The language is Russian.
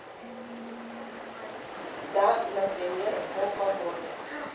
да например о погоде